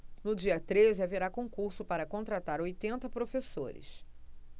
no dia treze haverá concurso para contratar oitenta professores